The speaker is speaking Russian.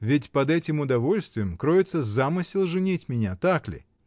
— Ведь под этим удовольствием кроется замысел женить меня — так ли?